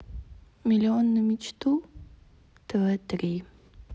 миллион на мечту тв три